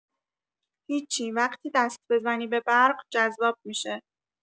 هیچی وقتی دست بزنی به برق جذاب می‌شه